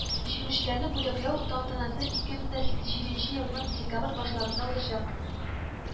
Җиңүчеләрне бүләкләү тантанасы ике мең дә си җиденче елның декабрь башларында узачак